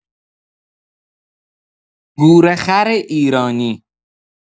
گورخر ایرانی